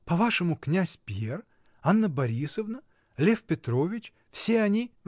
По-вашему, князь Пьер, Анна Борисовна, Лев Петрович. все они.